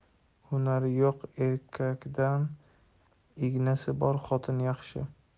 hunari yo'q erkakdan ignasi bor xotin yaxshi